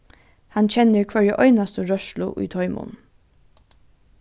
hann kennir hvørja einastu rørslu í teimum